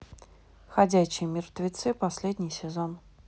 ходячие мертвецы последний сезон